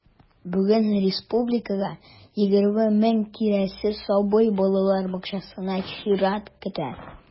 Бүген республикада 70 мең тирәсе сабый балалар бакчасына чират көтә.